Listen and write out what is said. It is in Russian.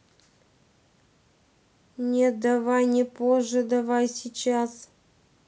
нет давай не позже давай сейчас